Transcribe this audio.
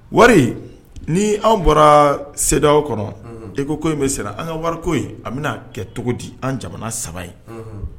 Wari ni anw bɔra CEDEAO kɔnɔ, ECO ko in bɛ senna, an ka wariko a bɛna kɛ cogo di an jamana saba?